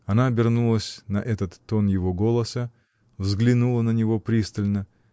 Она обернулась на этот тон его голоса, взглянула на него пристально